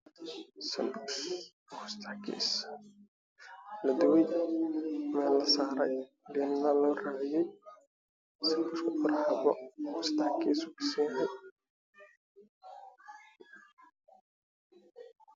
Beeshan cayga muuqda sahan wasaaranyihiin sambuus fara badan